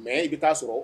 Mais i bi taa sɔrɔ